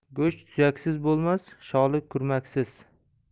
go'sht suyaksiz bo'lmas sholi kurmaksiz